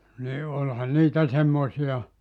niin olihan niitä semmoisia